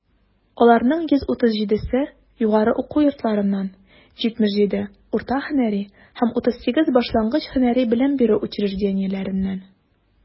Аларның 137 се - югары уку йортларыннан, 77 - урта һөнәри һәм 38 башлангыч һөнәри белем бирү учреждениеләреннән.